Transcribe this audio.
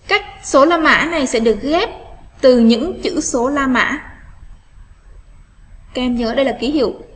cách số la mã này sẽ được ghép từ những chữ số la mã kem dưỡng đây là ký hiệu